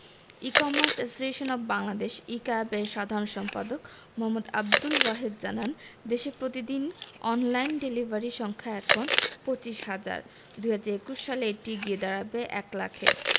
E commerce association of Bangladesh e CAB এর সাধারণ সম্পাদক মো. আবদুল ওয়াহেদ জানান দেশে প্রতিদিন অনলাইন ডেলিভারি সংখ্যা এখন ২৫ হাজার ২০২১ সালে এটি গিয়ে দাঁড়াবে ১ লাখে